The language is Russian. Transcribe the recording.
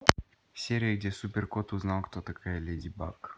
серия где супер кот узнал кто такая леди баг